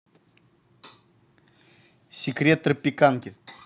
секрет тропиканки